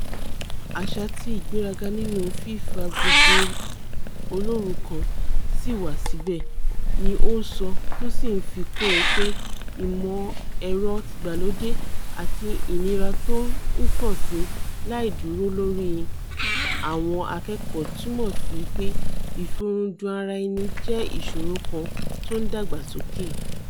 Àṣà ti ìgbéraga nínú 'fífa gbogbo-olóru kan' sì wà síbẹ̀, ni ó sọ, tó sì ńfi kún un pé ìmọ̀-ẹ̀rọ tìgbàlódé àti ìnira tó ńpọ̀síi láìdúró lórí àwọn akẹ̵́kọ̀ọ́ túmọ̀ síipé ìfoorundunara-ẹni jẹ́ ìṣòro kan tó ńdàgbàsókè.